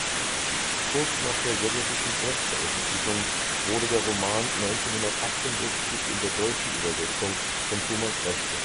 Kurz nach der sowjetischen Erstveröffentlichung wurde der Roman 1968 in der deutschen Übersetzung von Thomas Reschke